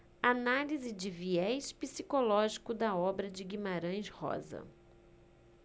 análise de viés psicológico da obra de guimarães rosa